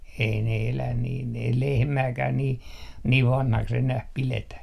ei ne elä niin ei lehmääkään niin niin vanhaksi enää pidetä